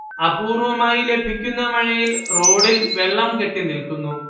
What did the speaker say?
അപൂർവമായി ലഭിക്കുന്ന മഴയിൽ റോഡില്‍ വെള്ളം കെട്ടിനിൽക്കുന്നു